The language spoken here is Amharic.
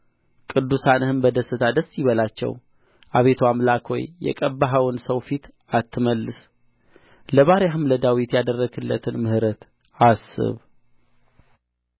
ቅዱሳንህም በደስታ ደስ ይበላቸው አቤቱ አምላክ ሆይ የቀባኸውን ሰው ፊት አትመልስ ለባሪያም ለዳዊት ያደረግህለትን ምሕረት አስብ